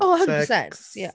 O a hundred percent... six ...ie.